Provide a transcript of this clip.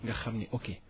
nga xam ni okey